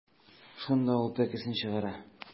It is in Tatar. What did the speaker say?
Шунда ул пәкесен чыгара.